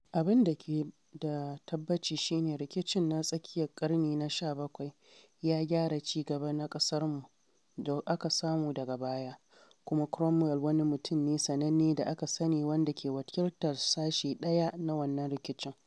Abin da ke da tabbaci shi ne rikicin na tsakiyar ƙarni na 17 ya gyara ci gaba na ƙasarmu da aka samu daga baya, kuma Cromwell wani mutum ne sananne da aka sani wanda ke wakiltar sashe ɗaya na wancan rikicin.